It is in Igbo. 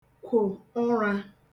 kwò ụrā